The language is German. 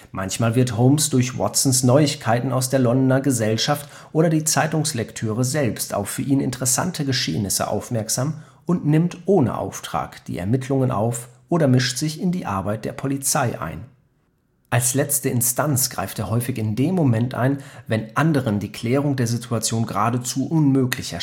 Manchmal wird Holmes durch Watsons Neuigkeiten aus der Londoner Gesellschaft oder die Zeitungslektüre selbst auf für ihn interessante Geschehnisse aufmerksam und nimmt ohne Auftrag die Ermittlung auf oder mischt sich in die Arbeit der Polizei ein. Als „ letzte Instanz “greift er häufig in dem Moment ein, wenn anderen die Klärung der Situation geradezu unmöglich